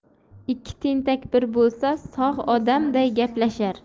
ikki tentak bir bo'lsa sog' odamday gaplashar